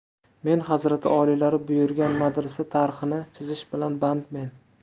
men hazrati oliylari buyurgan madrasa tarhini chizish bilan bandmen